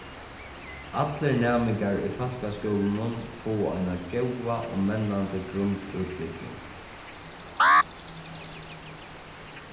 allir næmingar í fólkaskúlunum skulu fáa eina góða og mennandi grundútbúgving